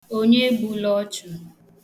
Onye egbula ọchụ.